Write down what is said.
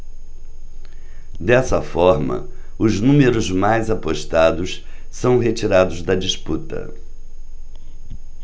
dessa forma os números mais apostados são retirados da disputa